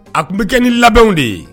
A tun bɛ kɛ ni labɛnw de ye